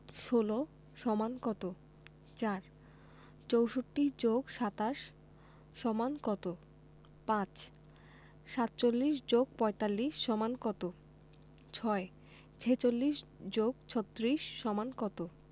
১৬ = কত ৪ ৬৪ + ২৭ = কত ৫ ৪৭ + ৪৫ = কত ৬ ৪৬ + ৩৬ = কত